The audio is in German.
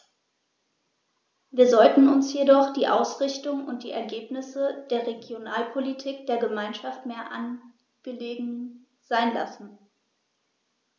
Wir sollten uns jedoch die Ausrichtung und die Ergebnisse der Regionalpolitik der Gemeinschaft mehr angelegen sein lassen.